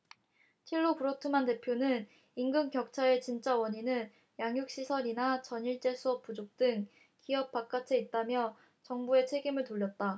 틸로 브로트만 대표는 임금 격차의 진짜 원인은 양육 시설이나 전일제 수업 부족 등 기업 바깥에 있다며 정부에 책임을 돌렸다